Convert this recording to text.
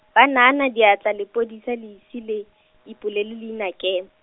ba naana diatla lepodisa le ise le, ipolele leinakem-.